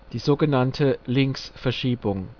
die so genannte Linksverschiebung